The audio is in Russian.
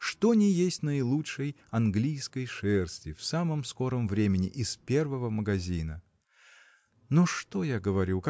что ни есть наилучшей английской шерсти в самом скором времени из первого магазина. Но что я говорю?